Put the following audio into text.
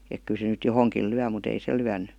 että kyllä se nyt johonkin lyö mutta ei se lyönyt